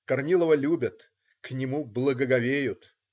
Корнилова любят, к нему благоговеют.